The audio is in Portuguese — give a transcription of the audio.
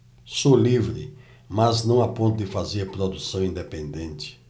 sou livre mas não a ponto de fazer produção independente